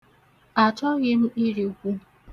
Achọghị m irikwu.